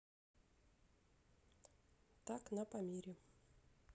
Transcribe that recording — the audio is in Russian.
так на памире